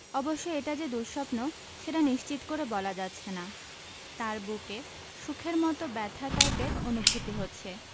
অবশ্য এটা যে দুঃস্বপ্ন সেটা নিশ্চিত করে বলা যাচ্ছে না তাঁর বুকে সুখের মতো ব্যথা টাইপের অনুভূতি হচ্ছে